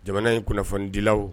Jamana in kunnafonidilaw